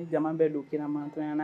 Jama bɛɛ don kira mantɔ yan